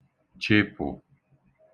chị̄pụ̀